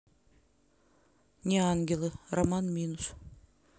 не ангелы роман минус